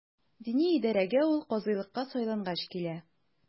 Дини идарәгә ул казыйлыкка сайлангач килә.